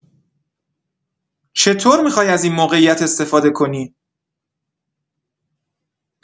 چطور می‌خوای از این موقعیت استفاده کنی؟